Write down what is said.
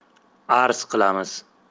arz qilamiz